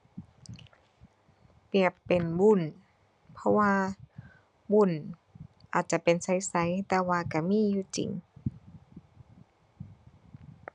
เปรียบเป็นวุ้น เพราะว่าวุ้นอาจจะเป็นใสใสแต่ว่าก็มีอยู่จริง